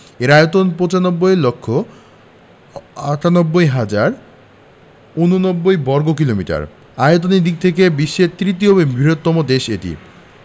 আয়তন প্রায় ৯৫ লক্ষ ৯৮ হাজার ৮৯ বর্গকিলোমিটার আয়তনের দিক থেকে বিশ্বের তৃতীয় বৃহত্তম দেশ এটি